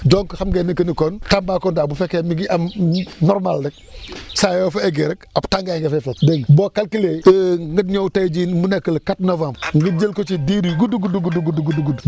donc xam ngeen ni que ni kon Tambacounda bu fekkee mi ngi am normal rek saa yoo fa eggee rek ab tàngaay nga fay fekk dégg nga boo calculer nga ñëw tey jii mu nekk le quatre novembre nga jël ko ci diir yu gudd a gudd gudd